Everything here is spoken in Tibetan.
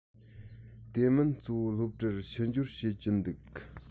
དེ མིན གཙོ བོ སློབ གྲྭར ཕྱི འབྱོར བྱེད ཀྱིན འདུག